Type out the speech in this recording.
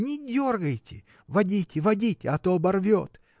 не дергайте; водите, водите, а то оборвет.